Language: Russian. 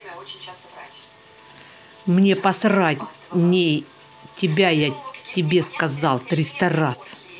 мне посрать ней тебя я тебе сказал триста раз